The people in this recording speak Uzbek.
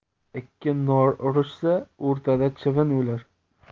ikki nor urishsa o'rtada chivin o'lar